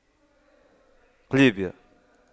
قليبية